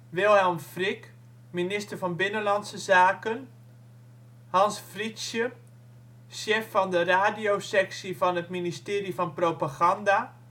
Wilhelm Frick (minister van binnenlandse zaken) Hans Fritzsche (chef van de Radio Sectie van het ministerie van Propaganda